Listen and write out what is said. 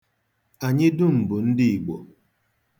Anyị dum bụ ndị Igbo.